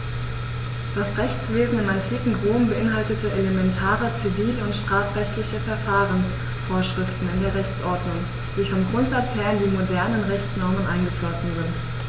Das Rechtswesen im antiken Rom beinhaltete elementare zivil- und strafrechtliche Verfahrensvorschriften in der Rechtsordnung, die vom Grundsatz her in die modernen Rechtsnormen eingeflossen sind.